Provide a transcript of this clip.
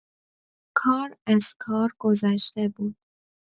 کار از کار گذشته بود.